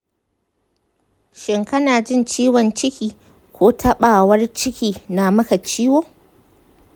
shin kana jin ciwon ciki ko taɓawar ciki na maka ciwo?